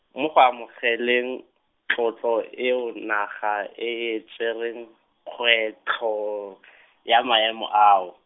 mo go amogeleng, tlotlo eo naga e e tsere, kgwetlho , ya maemo ao.